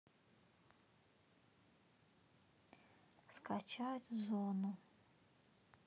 скачать зону